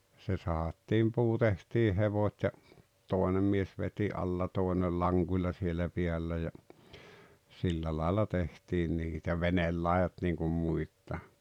se sahattiin puu tehtiin hevot ja toinen mies veti alla toisella lankuilla siellä päällä ja sillä lailla tehtiin niitä veneenlaidat niin kuin muitakin